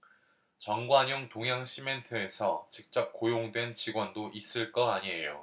정관용 동양시멘트에서 직접 고용된 직원도 있을 거 아니에요